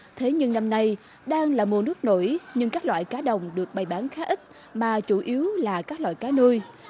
thế nhưng năm nay đang là mùa nước nổi nhưng các loại cá đồng được bày bán khá ít mà chủ yếu là các loại cá nuôi